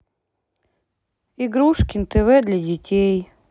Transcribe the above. игрушкин тв для детей